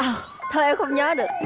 thôi em không nhớ được